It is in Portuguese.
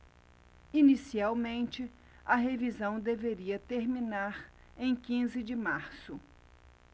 inicialmente a revisão deveria terminar em quinze de março